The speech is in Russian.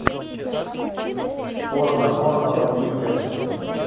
порно порно подписка